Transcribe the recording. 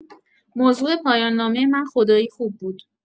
موضوع پایان‌نامه من خدایی خوب بود.